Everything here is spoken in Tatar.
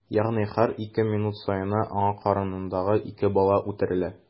Ягъни һәр ике минут саен ана карынындагы ике бала үтерелә.